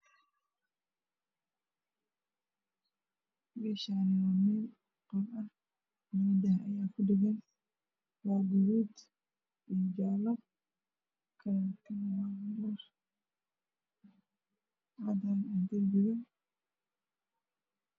Meeshaan waa qol labo daah ayaa kudhagan kalarkeedu waa gaduud iyo jaalo. Darbiguna waa cadaan.